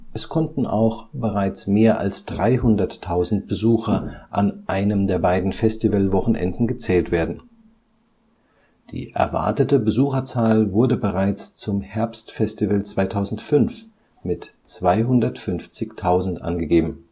Es konnten auch bereits mehr als 300.000 Besucher an einem der beiden Festivalwochenenden gezählt werden. Die erwartete Besucherzahl wurde bereits zum Herbstfestival 2005 mit 250.000 angegeben